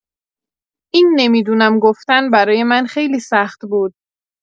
این «نمی‌دونم» گفتن برای من خیلی سخت بود.